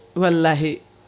wallahi